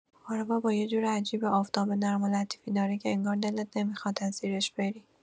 آره بابا، یه جور عجیبی آفتاب نرم و لطیفی داره که انگار دلت نمیخواد از زیرش بری.